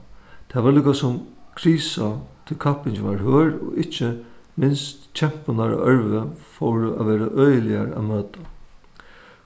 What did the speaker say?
tað var líkasum krisa tí kappingin var hørð og ikki minst kempurnar á ørvi fóru at vera øgiligar at møta